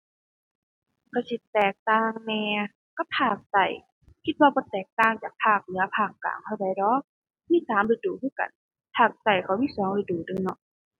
ก็สิแตกต่างแหน่กับภาคใต้ คิดว่าบ่แตกต่างจากภาคเหนือภาคกลางเท่าใดดอก มีสามฤดูคือกัน ภาคใต้เขามีสองฤดูเด้อเนาะ